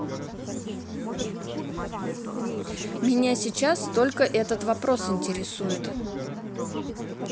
меня сейчас только этот вопрос интересует